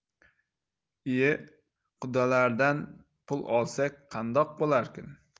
ie qudalardan pul olsak qandoq bo'larkin